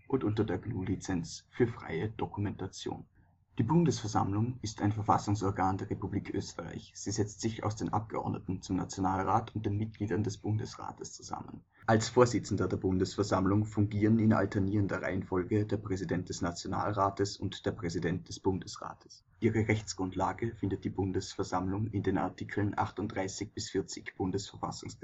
und unter der GNU Lizenz für freie Dokumentation. Die Bundesversammlung tagt im Sitzungssaal des ehemaligen Abgeordnetenhauses. Die Bundesversammlung ist ein Verfassungsorgan der Republik Österreich. Sie setzt sich aus den Abgeordneten zum Nationalrat und den Mitgliedern des Bundesrats zusammen. Als Vorsitzender der Bundesversammlung fungieren in alternierender Reihenfolge der Präsident des Nationalrates und der Präsident des Bundesrates. Ihre Rechtsgrundlage findet die Bundesversammlung in den Artikeln 38 bis 40 B-VG. Ihr sind